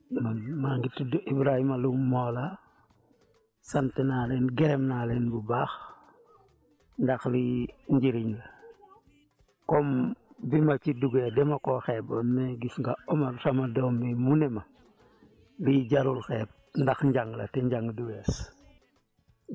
man maa ngi tudd Ibrahima Loum Mawla sant naa leen gërëm naa leen bu baax ndax lii njëriñ la comme bi ma ci dugge dama koo xeeboon mais gis nga Omar sama doom bi mu ne ma lii jarul xeeb ndax njàng la te njàng du wees